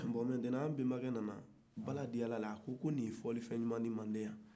bon an benbakɛ nana bala diyar'a la ko ni ye fɔlifɛn ɲuma ye mande ya